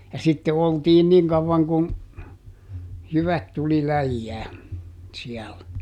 ja sitten oltiin niin kauan kuin jyvät tuli läjään siellä